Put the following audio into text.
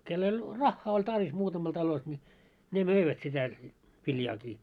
kenellä oli rahaa oli tarve muutamalla talossa niin ne möivät sitä viljaakin